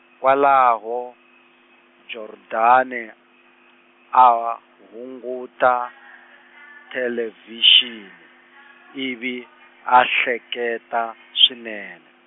kwalaho, Jordaan e, a ha, hunguta, thelevhixini, ivi a ehleketa swinene.